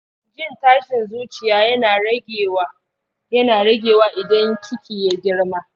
jin tashin zuciya yana rage wa idan ciki ya girma